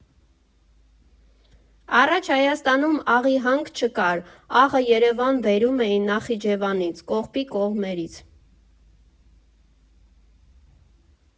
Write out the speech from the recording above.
Առաջ Հայաստանում աղի հանք չկար, աղը Երևան բերում էին Նախիջևանից, Կողբի կողմերից։